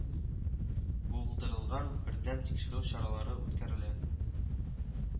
Булдырылган, бердәм тикшерү чаралары үткәрелә